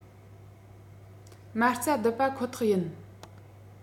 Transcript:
མ རྩ རྡིབ པ ཁོ ཐག ཡིན